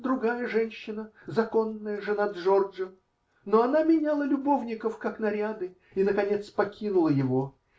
Другая женщина -- законная жена Джорджо, но она меняла любовников, как наряды, и наконец покинула его.